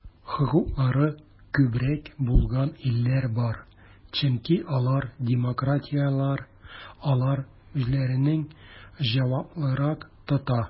Хокуклары күбрәк булган илләр бар, чөнки алар демократияләр, алар үзләрен җаваплырак тота.